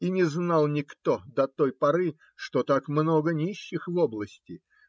И не знал никто до той поры, что так много нищих в области